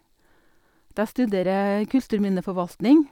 At jeg studerer kulturminneforvaltning.